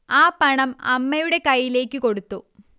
ആ പണം അമ്മയുടെ കയ്യിലേക്ക് കൊടുത്തു